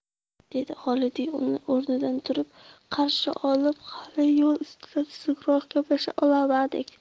dedi xolidiy uni o'rnidan turib qarshi olib hali yo'l ustida tuzukroq gaplasha olmadik